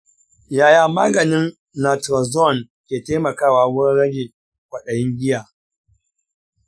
yaya maganin naltrexone ke taimakawa wurin rage kwaɗayin giya?